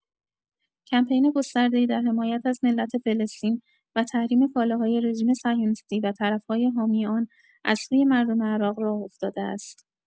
کمپین گسترده‌ای در حمایت از ملت فلسطین و تحریم کالاهای رژیم صهیونیستی و طرف‌های حامی آن از سوی مردم عراق راه افتاده است.